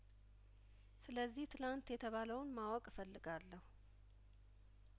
ስለዚህ ትናንት የተባለውን ማወቅ እፈለጋለሁ